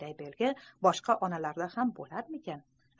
bunday belgi boshqa onalarda ham bo'ldimikin